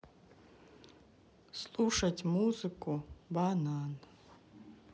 слушать музыку банан